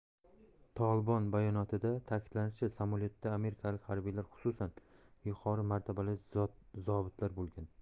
tolibon bayonotida ta'kidlanishicha samolyotda amerikalik harbiylar xususan yuqori martabali zobitlar bo'lgan